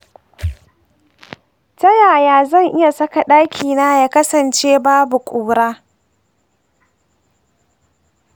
ta yaya zan iya saka ɗakina ya kasance babu ƙura?